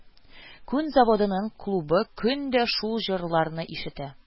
Күн заводының клубы көн дә шул җырларны ишетә